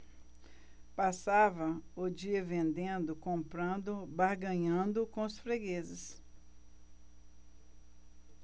passava o dia vendendo comprando barganhando com os fregueses